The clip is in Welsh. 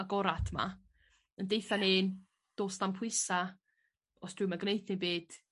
agorad 'ma yn deutha ni do's na'm pwysa' os dwi'm y gneud dim byd